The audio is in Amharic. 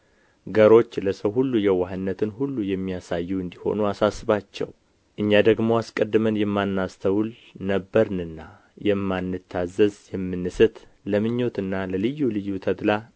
ገሮች ለሰው ሁሉ የዋህነትን ሁሉ የሚያሳዩ እንዲሆኑ ኣሳስባቸው እኛ ደግሞ አስቀድመን የማናስተውል ነበርንና የማንታዘዝ የምንስት ለምኞትና ለልዩ ልዩ ተድላ